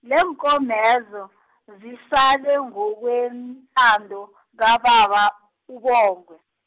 leenkomezo, zisale ngokwentando kababa, uBongwe.